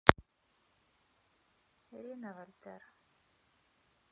ирина вальтер